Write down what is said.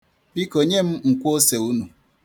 Biko nye m nkwoose unu.